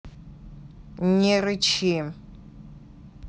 не рычи